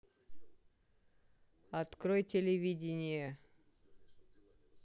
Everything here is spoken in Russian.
открой телевидение